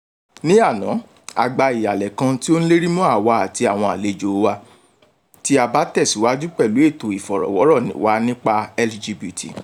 Ní àná, a gba ìhàlẹ̀ kan tí ó ń lérí mọ́ àwa àti àwọn àlejòo wa tí a bá tẹ̀síwajú pẹ̀lú ètò ìfọ̀rọ̀wọ́rọ̀ọ wa nípa LGBT.